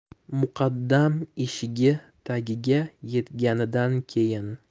muqaddam eshigi tagiga yetganidan keyin